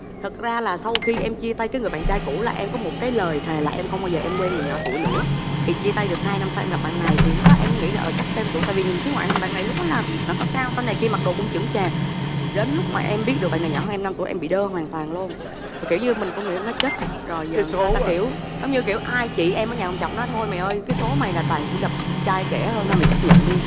thực ra là sau khi em chia tay với người bạn trai cũ là em có một cái lời thề là em không bao giờ em quen người nhỏ tuổi nữa thì chia tay được hai năm sau em gặp bạn này thì lúc đó em nghĩ là chắc xêm tuổi tại vì nhìn cái ngoại hình bạn này lúc đó là rất là cao to này kia mặc đồ cũng chững chạc đến lúc mà em biết được bạn này nhỏ hơn em năm tuổi em bị đơ hoàn toàn luôn rồi kiểu như mình không nghĩ nó chết rồi vô số kiểu như kiểu ai chị em ở nhà ông chọc nó thôi mày ơi cái số này là toàn chỉ gặp trai trẻ hơn thôi mày chấp nhận đi